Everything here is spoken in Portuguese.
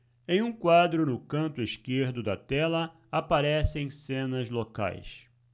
em um quadro no canto esquerdo da tela aparecem cenas locais